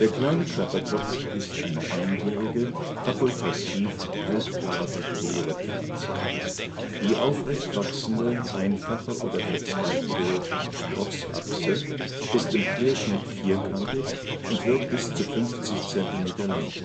Kleine Klappertopf ist eine einjährige, fakultativ halbparasitäre Pflanze. Die aufrecht wachsende, einfache oder verzweigte Sprossachse ist im Querschnitt vierkantig und wird bis zu 50 Zentimeter lang